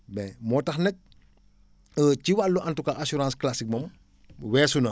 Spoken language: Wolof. bien moo tax nag ci wàllu en tout cas assurance classique moom weesu na